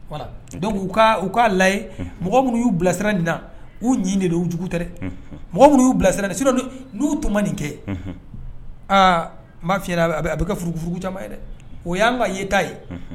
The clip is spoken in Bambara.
Voila , donc u k'a lajɛ, unhun, mɔgɔ minnu y'u bilasira nin na , u ɲin de don, u jugu tɛ dɛ, unhun ,mɔgɔ minnu y'u bilasira ,n'u tun ma nin kɛ, aa maa fi ɲɛna a bɛ kɛ furuvgu furugu caman ye dɛ o y'an ka ye ta ye.